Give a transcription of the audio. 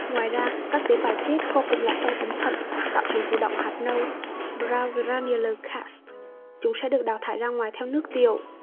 ngoài ra các tế bào chết co cụm lại trong ống thận tạo thành trụ đọng hạt nâu chúng sẽ được đào thải ra ngoài theo nước tiểu